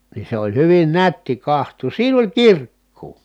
niin se oli hyvin nätti katsoa siinä oli kirkkoa